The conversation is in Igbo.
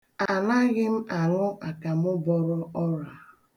Anaghị m aṅụ akamụ bọrọ ọra.